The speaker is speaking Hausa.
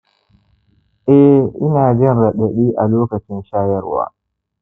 eh, ina jin raɗaɗi a lokacin shayarwa